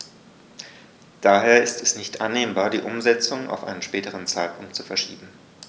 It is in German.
Daher ist es nicht annehmbar, die Umsetzung auf einen späteren Zeitpunkt zu verschieben.